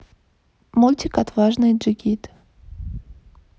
мультик отважный джигит